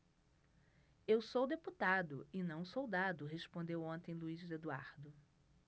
eu sou deputado e não soldado respondeu ontem luís eduardo